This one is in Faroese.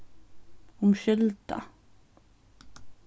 umskylda